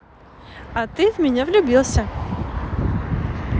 а ты в меня влюбился